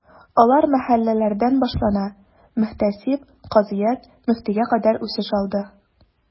Алар мәхәлләләрдән башлана, мөхтәсиб, казыят, мөфтияткә кадәр үсеш алды.